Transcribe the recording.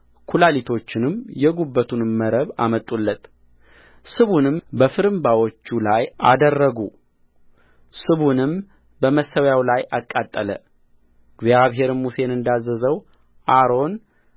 ኩላሊቶቹንም የጉበቱንም መረብ አመጡለትስቡንም በፍርምባዎቹ ላይ አደረጉ ስቡንም በመሠዊያው ላይ አቃጠለእግዚአብሔርም ሙሴን እንዳዘዘው አሮን